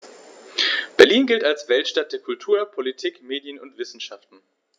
Berlin gilt als Weltstadt der Kultur, Politik, Medien und Wissenschaften.